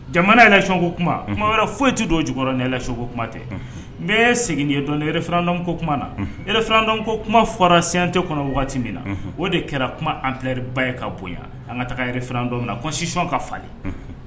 Jamana election kuma, unhun, kuma wɛrɛ foyi tɛ don o jukɔrɔ, ni election kuma tɛ, unhun, n bɛɛ segin n'i ye dɔnni, unhun, referendum ko kuma , referendum ko kuma fɔl la CNT kɔnɔ wagati min na unhun, ,o de kɛra kuma empleure ba ye ka bonya an ka taa referendu na constitution ka falen., unhun.